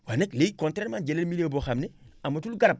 waaye nag léegi contarirement jëlal milieu boo xam ne amatul garab